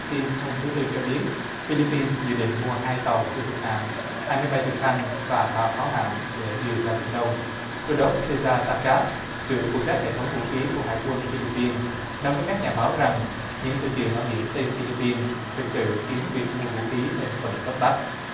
pin hôm thứ tư cho biết phi líp pin dự định mua hai tàu khu trục hạm hai máy bay trực thăng và ba pháo hàm để điều ra biển đông đô đốc xê ra ta cát trưởng phụ trách hệ thống vũ khí của hải quân phi líp pin nói với các nhà báo rằng những sự kiện ở biển tây phi líp pin thực sự khiến việc mua vũ khí thêm phần cấp bách